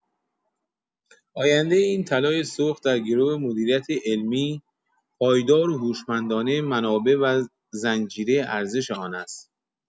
آینده این طلای سرخ در گرو مدیریت علمی، پایدار و هوشمندانه منابع و زنجیره ارزش آن است.